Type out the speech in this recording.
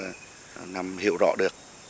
nắm hiểu rõ được